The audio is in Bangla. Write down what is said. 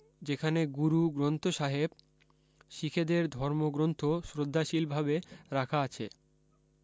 যেখানে গুরু গ্রন্থ সাহেব শিখেদের ধর্মগ্রন্থ শ্রদ্ধাশীলভাবে রাখা আছে